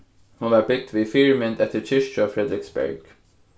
hon varð bygd við fyrimynd eftir kirkju á frederiksberg